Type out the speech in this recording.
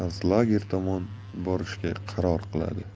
bor konslager tomon borishga qaror qiladi